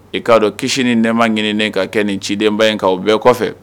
I k'a dɔn kisi ni nɛma ɲininen ka kɛ nin cidenba in' o bɛɛ kɔfɛ